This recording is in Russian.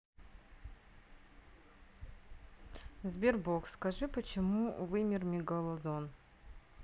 sberbox скажи почему вымер мегалодон